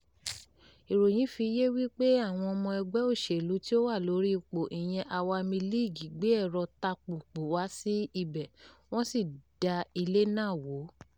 Ìròyìn fi yé wípé àwọn ọmọ ẹgbẹ́ òṣèlú tí ó wà lórí ipò ìyẹn Awami League (AL) gbé ẹ̀rọ tatapùpù wá sí ibẹ̀, wọ́n sì da ilé náà wó.